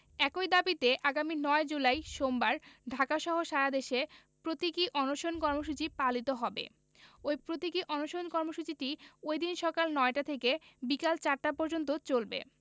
একই দাবিতে আগামী ৯ জুলাই সোমবার ঢাকাসহ সারাদেশে প্রতীকী অনশন কর্মসূচি পালিত হবে ওই প্রতীকী অনশন কর্মসূচিটি ওইদিন সকাল ৯টা থেকে বিকেল ৪টা পর্যন্ত চলবে